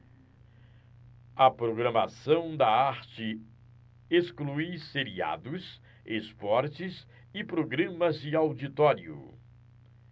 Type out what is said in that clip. a programação da arte exclui seriados esportes e programas de auditório